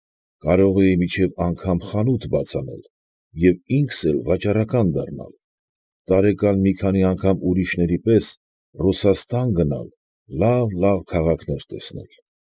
Կարող էի մինչև անգամ խանութ բաց անել և ինքս էլ վաճառական դառնալ, տարեկան մի անգամ ուրիշների պես Ռուսաստան գնալ, լավ֊ լավ քաղաքներ տեսնել։